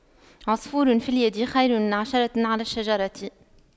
عصفور في اليد خير من عشرة على الشجرة